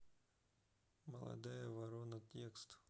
молодая ворона текст